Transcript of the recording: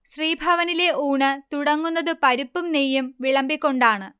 ശ്രീഭവനിലെ ഊണ് തുടങ്ങുന്നതു പരിപ്പും നെയ്യും വിളമ്പിക്കൊണ്ടാണ്